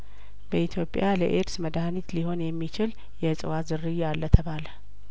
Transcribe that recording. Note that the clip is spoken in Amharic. በኢትዮጵያ ለኤድስ መድሀኒት ሊሆን የሚችል የእጽዋት ዝርያአለተ ባለ